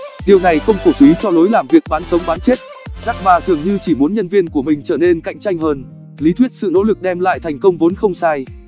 điều này không cổ xúy cho lối làm việc bán sống bán chết jack ma dường như chỉ muốn nhân viên của mình trở nên cạnh tranh hơn lý thuyết sự nỗ lực đem lại thành công vốn không sai